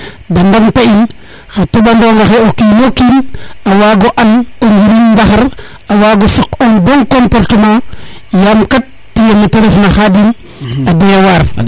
de ndam ta in xa teɓanonga xe kino kiin a wago and o njiriñ ndaxar a wago saq un bon comportement yaam kat tiye mete refna Khadim a doya waar